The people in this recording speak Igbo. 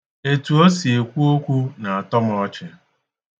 Etu o si ekwu okwu na-atọ m ọchị.